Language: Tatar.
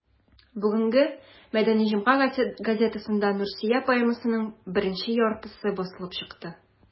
Бүгенге «Мәдәни җомга» газетасында «Нурсөя» поэмасының беренче яртысы басылып чыкты.